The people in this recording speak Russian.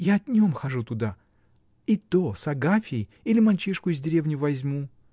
— Я днем хожу туда, и то с Агафьей или мальчишку из деревни возьму.